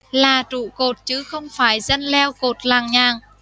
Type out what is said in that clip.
là trụ cột chứ không phải dân leo cột làng nhàng